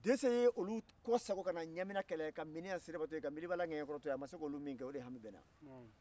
dɛsɛ ye olu kɔ sagon ka na ɲamina kɛlɛ ka miniɲan seriba to yen ka biliba la gɛɲɛkɔrɔ to yen a ma se k'olu min kɛ o de hami bɛ n na